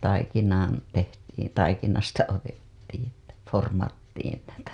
taikinaan tehtiin taikinasta otettiin että vormattiin tätä